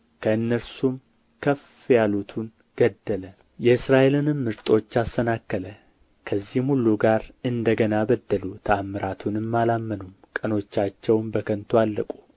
ከእነርሱም ከፍ ያሉትን ገደለ የእስራኤልንም ምርጦች አሰናከለ ከዚህም ሁሉ ጋር እንደ ገና በደሉ ተኣምራቱንም አላመኑም ቀኖቻቸውም በከንቱ አለቁ